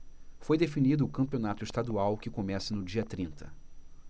foi definido o campeonato estadual que começa no dia trinta